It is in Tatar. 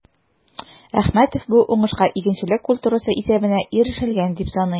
Әхмәтов бу уңышка игенчелек культурасы исәбенә ирешелгән дип саный.